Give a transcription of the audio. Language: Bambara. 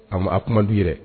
A a kuma di yɛrɛ